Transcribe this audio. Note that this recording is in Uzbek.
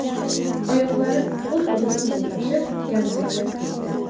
oyoqlari o'z o'zidan bo'shashib gandiraklab ketdi